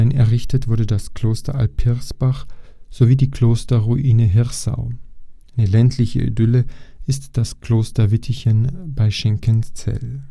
errichtet wurde das Kloster Alpirsbach sowie die Klosterruine Hirsau. Eine ländliche Idylle ist das Kloster Wittichen bei Schenkenzell